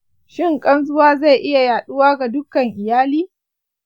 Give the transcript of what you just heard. shin ƙanzuwa zai iya yaɗuwa ga dukkan iyali?